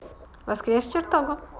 воскрес чертогу